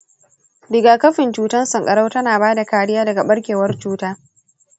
riga-kafin cutar sanƙarau tana bada kariya daga ɓarkewar cutar.